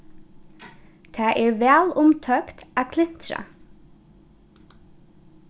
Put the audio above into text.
tað er væl umtókt at klintra